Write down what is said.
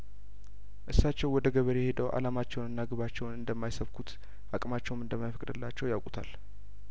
እሳቸው ወደ ገበሬው ሄደው አላማቸውንና ግባቸውን እንደማ ይሰብኩት አቅማቸውም እንደማይፈቅድላቸው ያውቁታል